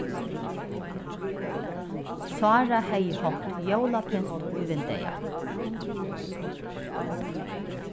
sára hevði hongt jólapynt í vindeygað